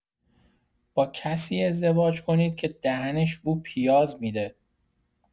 با کسی ازدواج کنید که دهنش بو پیاز می‌ده!